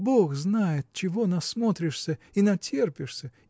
Бог знает, чего насмотришься и натерпишься